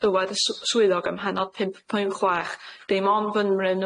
dywadd y swyddog ym mhennod pump pwynt chwech dim ond fynmryn